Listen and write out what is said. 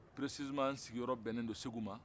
precisement n sigiyɔrɔ bɛnnen don segu ma